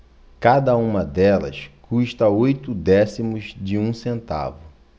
cada uma delas custa oito décimos de um centavo